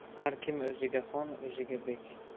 har kim o'ziga xon o'ziga bek